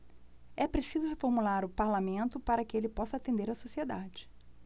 é preciso reformular o parlamento para que ele possa atender a sociedade